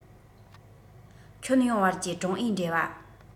ཁྱོན ཡོངས བར གྱི ཀྲུང ཨའི འབྲེལ བ